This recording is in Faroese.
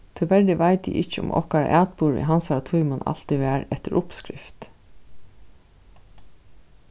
tíverri veit eg ikki um okkara atburður í hansara tímum altíð var eftir uppskrift